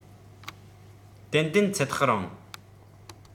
ཏན ཏན ཚེ ཐག རིང